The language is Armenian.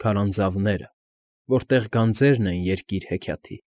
Քարանձավները, Որտեղ գանձերն են երկիր֊հեքիաթի։